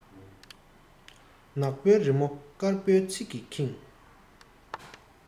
ནག པོའི རི མོ དཀར པོའི ཚིག གིས ཁེངས